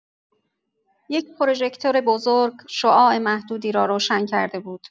یک پروژکتور بزرگ، شعاع محدودی را روشن کرده بود.